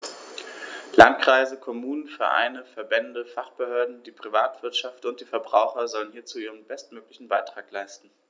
Landkreise, Kommunen, Vereine, Verbände, Fachbehörden, die Privatwirtschaft und die Verbraucher sollen hierzu ihren bestmöglichen Beitrag leisten.